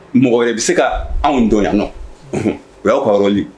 Mɔgɔ wɛrɛ bɛ se ka anw don yan nɔ o y'aw hɔrɔnli